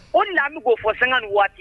O de la an bɛ k'o fɔ saŋa ni waati